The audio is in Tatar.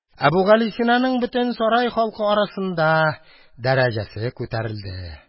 Әбүгалисинаның бөтен сарай халкы арасында дәрәҗәсе күтәрелде.